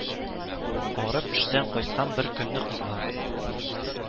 Арып эштән кайткан беркөнне кызлар